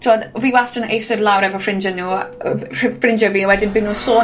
t'od fi wastad yn eistedd lawr efo ffrindie nw... ffrindie fi a wedyn by' nw'n sôn